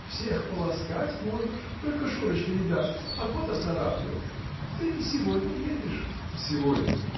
Всех поласкать можешь; только Шурочка не дастся, а кот оцарапает. Ты сегодня едешь? -- Сегодня.